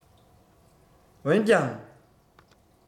འོན ཀྱང